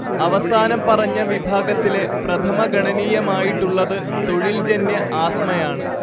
അവസാനം പറഞ്ഞ വിഭാഗത്തിലെ പ്രഥമഗണനീയമായിട്ടുള്ളത് തൊഴിൽജന്യ ആസ്മയാണ്